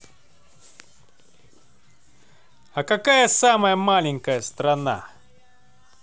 а какая самая маленькая страна